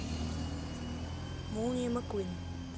молния маквин